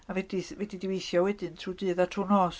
A fedrith... fedri di weithio wedyn, trwy dydd a trwy nos.